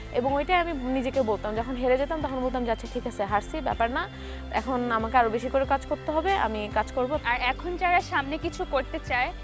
এবং ওইটাই আমি নিজেকে বলতাম যখন হেরে যেতাম বলতাম যে আচ্ছা ঠিক আছে হারছি ব্যাপার না এখন আমাকে আরো বেশি করে কাজ করতে হবে আমি কাজ করবো আর এখন যারা সামনে কিছু করতে চায়